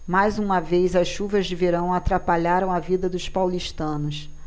mais uma vez as chuvas de verão atrapalharam a vida dos paulistanos